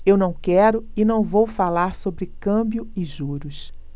eu não quero e não vou falar sobre câmbio e juros